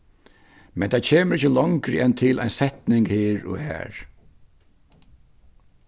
men tað kemur ikki longri enn til ein setning her og har